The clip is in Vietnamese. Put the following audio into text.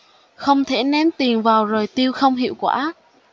không thể ném tiền vào rồi tiêu không hiệu quả